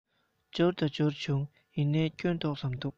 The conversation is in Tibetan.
འབྱོར ད འབྱོར བྱུང ཡིན ནའི སྐྱོན ཏོག ཙམ འདུག